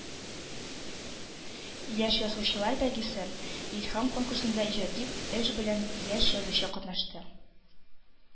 Яшь язучылар бәйгесе - “Илһам” конкурсында иҗади эш белән яшь язучы катнашты